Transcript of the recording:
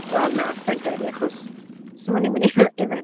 Wel na, sa i'n credu achos so ni'n mynd i y- yfed...